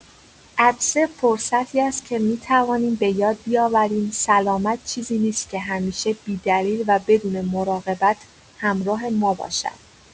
عطسه فرصتی است که می‌توانیم بۀاد بیاوریم سلامت چیزی نیست که همیشه بی‌دلیل و بدون مراقبت همراه ما باشد.